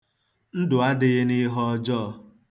Ndụ adịghị n'ihe ọjọọ.